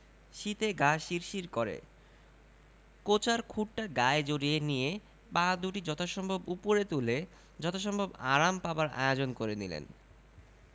শীতে গা শিরশির করে কোঁচার খুঁটটা গায়ে জড়িয়ে নিয়ে পা দুটি যথাসম্ভব উপরে তুলে যথাসম্ভব আরাম পাবার আয়োজন করে নিলেন